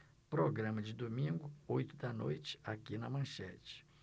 programa de domingo oito da noite aqui na manchete